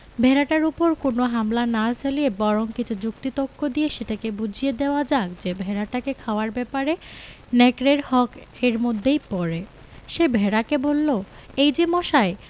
ভেড়াটার উপর কোন হামলা না চালিয়ে বরং কিছু যুক্তি তক্ক দিয়ে সেটাকে বুঝিয়ে দেওয়া যাক যে ভেড়াটাকে খাওয়ার ব্যাপারে নেকড়ের হক এর মধ্যেই পড়ে সে ভেড়াকে বলল এই যে মশাই